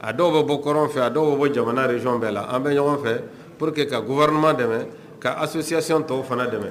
A dɔw bɛ bɔɔrɔn fɛ a dɔw bɛ bɔ jamana deyɔnfɛ la an bɛ ɲɔgɔn fɛ po que ka gwama dɛmɛ ka asonsiyasi tɔw fana dɛmɛ